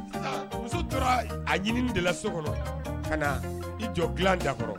Muso tora a ɲini dela so kɔnɔ ka na i jɔ dilan dakɔrɔ